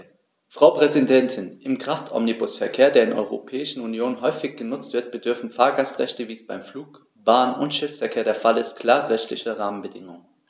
Frau Präsidentin, im Kraftomnibusverkehr, der in der Europäischen Union häufig genutzt wird, bedürfen Fahrgastrechte, wie es beim Flug-, Bahn- und Schiffsverkehr der Fall ist, klarer rechtlicher Rahmenbedingungen.